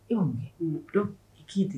E' kɛ k' ten